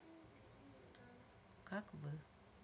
как вы